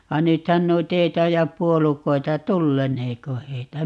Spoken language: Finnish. vaan nythän noita ei taida puolukoita tulleeko heitä